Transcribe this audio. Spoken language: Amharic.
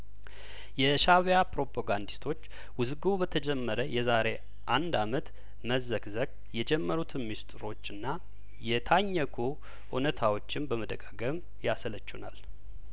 የሻእቢያ ፕሮፓጋንዲስቶች ውዝግቡ በተጀመረ የዛሬ አንድ አመት መዘክዘክ የጀመሩትን ምስጢሮች እና የታኘኩ እውነታዎችን በመደጋገም ያሰለቹናል